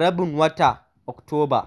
rabin watan Oktoba.